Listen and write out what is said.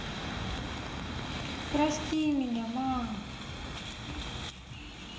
прости меня мама